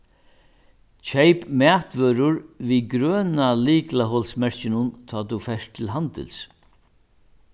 keyp matvørur við grøna lyklaholsmerkinum tá tú fert til handils